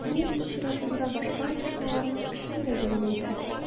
Бу үз чиратында башка оешмаларның эшен дә җиңеләйтә.